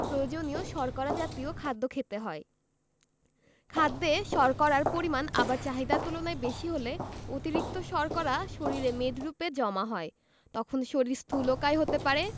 প্রয়োজনীয় শর্করা জাতীয় খাদ্য খেতে হয় খাদ্যে শর্করার পরিমাণ আবার চাহিদার তুলনায় বেশি হলে অতিরিক্ত শর্করা শরীরে মেদরুপে জমা হয় তখন শরীর স্থুলকায় হতে পারে